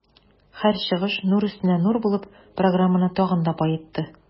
Һәр чыгыш нур өстенә нур булып, программаны тагын да баетты.